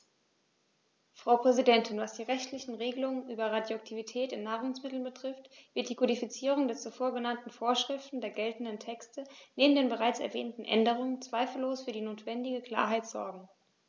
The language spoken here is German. Frau Präsidentin, was die rechtlichen Regelungen über Radioaktivität in Nahrungsmitteln betrifft, wird die Kodifizierung der zuvor genannten Vorschriften der geltenden Texte neben den bereits erwähnten Änderungen zweifellos für die notwendige Klarheit sorgen.